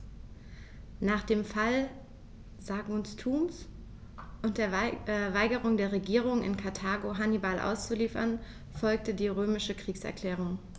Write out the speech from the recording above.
Nach dem Fall Saguntums und der Weigerung der Regierung in Karthago, Hannibal auszuliefern, folgte die römische Kriegserklärung.